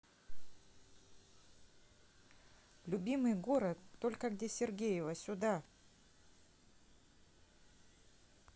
любимый город только где сергеева сюда